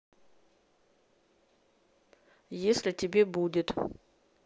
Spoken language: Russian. если тебе будет